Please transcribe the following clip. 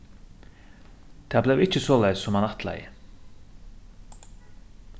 tað bleiv ikki soleiðis sum hann ætlaði